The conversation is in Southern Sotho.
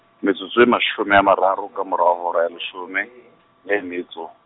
metsotso e mashome a mararo ka mora hora ya leshome, le metso.